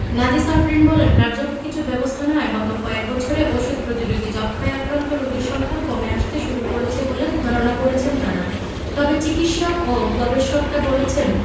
নাজিস আরেফিন বলেন কার্যকর কিছু ব্যবস্থা নেয়ায় গত কয়েক বছরে ওষুধ প্রতিরোধী যক্ষ্মায় আক্রান্ত রোগীর সংখ্যা কমে আসতে শুরু করেছে বলে ধারণা করেছেন তারা তবে চিকিৎসক ও গবেষকরা বলছেন